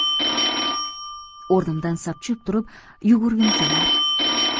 o'rnimdan sapchib turib yugurgim kelar